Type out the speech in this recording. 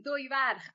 ...ddwy ferch